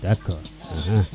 d'accord axa